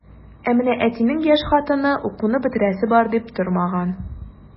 Ә менә әтинең яшь хатыны укуны бетерәсе бар дип тормаган.